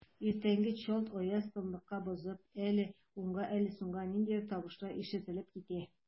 Иртәнге чалт аяз тынлыкны бозып, әле уңда, әле сулда ниндидер тавышлар ишетелеп китә.